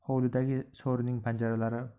hovlidagi so'rining panjaralari